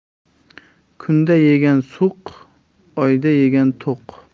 kunda yegan suq oyda yegan to'q